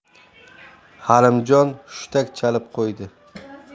halimjon hushtak chalib qo'ydi